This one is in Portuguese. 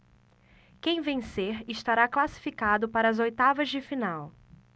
quem vencer estará classificado para as oitavas de final